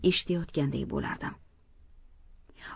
eshitayotgandek bo'lardim